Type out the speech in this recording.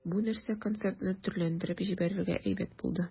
Бу нәрсә концертны төрләндереп җибәрергә әйбәт булды.